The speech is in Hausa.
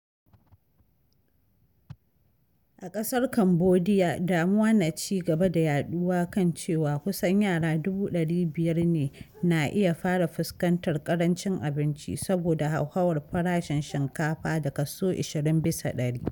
A ƙasar Kambodiya, damuwa na ci gaba da yaɗuwa kan cewa kusan yara 500,000 na iya fara fuskantar ƙarancin abinci saboda hauhawar farashin shinkafa da kaso 20%.